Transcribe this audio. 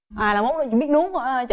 à là mốt là biết nuốt à chị